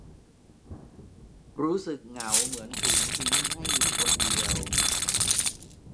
รู้สึกเหงาเหมือนถูกทิ้งให้อยู่คนเดียว